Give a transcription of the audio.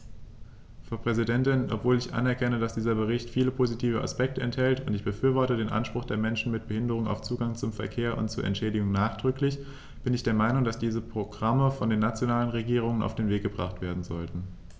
Frau Präsidentin, obwohl ich anerkenne, dass dieser Bericht viele positive Aspekte enthält - und ich befürworte den Anspruch der Menschen mit Behinderung auf Zugang zum Verkehr und zu Entschädigung nachdrücklich -, bin ich der Meinung, dass diese Programme von den nationalen Regierungen auf den Weg gebracht werden sollten.